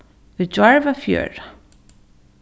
í gjár var fjøra